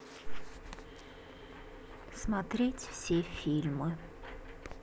смотреть все фильмы